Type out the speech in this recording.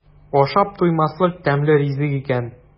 Ашап туймаслык тәмле ризык икән.